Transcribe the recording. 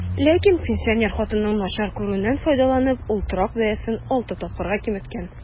Ләкин, пенсинер хатынның начар күрүеннән файдаланып, ул торак бәясен алты тапкырга киметкән.